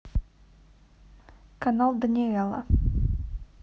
канал даниэла